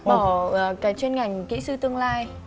bỏ ờ cái chuyên ngành kỹ sư tương lai